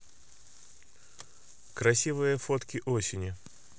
красивые фотки осени